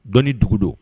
Dɔn dugu don